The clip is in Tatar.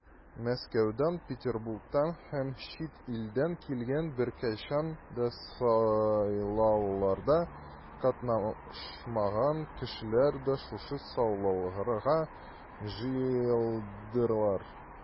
Мәскәүдән, Петербургтан һәм чит илдән килгән, беркайчан да сайлауларда катнашмаган кешеләр дә шушы сайлауларга җыелдылар.